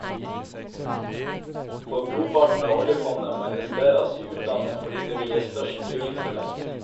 For brorparten av oljefondet må investerast i utlandet fordi det vil gje størst tryggingseffekt.